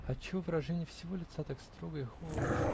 отчего выражение всего лица так строго и холодно?